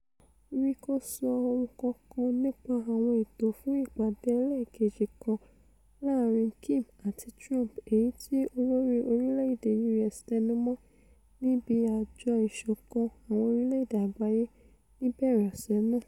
Ri kò sọ ohun kankan nípa àwọn ètò fún ìpàdé ẹlẹ́ẹ̀keji kan láàrin Kim àti Trump èyití olórí orílẹ̀-èdè U.S. tẹnumọ́ níbi Àjọ Ìṣọ̀kan Àwọn orílẹ̀-èdè Àgbáyé níbẹ̀rẹ̀ ọ̀sẹ̀ náà.